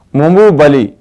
Mun b'u bali